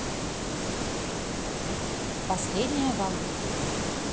последняя волна